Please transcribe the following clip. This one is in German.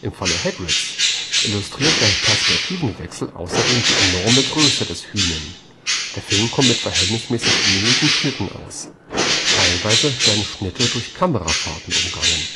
Falle Hagrids illustriert der Perspektivenwechsel außerdem die enorme Größe des Hünen. Der Film kommt mit verhältnismäßig wenigen Schnitten aus. Teilweise werden Schnitte durch Kamerafahrten umgangen